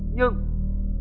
nhưng